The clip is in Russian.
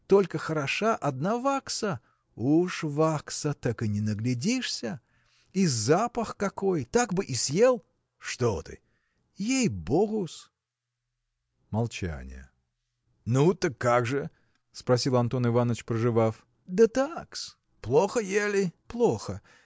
Только хороша одна вакса: уж вакса, так и не наглядишься! и запах какой: так бы и съел! – Что ты! – Ей-богу-с. Молчание. – Ну так как же? – спросил Антон Иваныч, прожевав. – Да так-с. – Плохо ели? – Плохо.